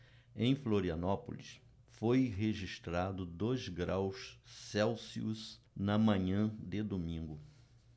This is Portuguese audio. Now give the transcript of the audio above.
em florianópolis foi registrado dois graus celsius na manhã de domingo